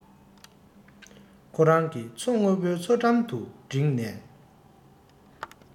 ཁོ རང གི མཚོ སྔོན པོའི མཚོ འགྲམ དུ འགྲེངས ནས